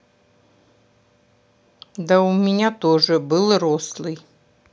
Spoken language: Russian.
да у меня тоже был рослый